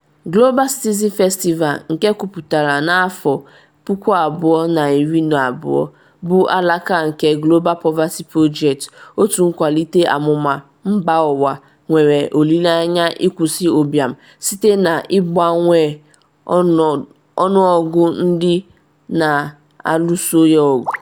Global Citizen Festival nke kwuputara na 2012, bụ alaka nke Global Poverty Project, otu nkwalite amụma mba ụwa nwere olile anya ịkwụsị ụbịam site na ịbawanye ọnụọgụ ndị na-alụso ya ọgụ.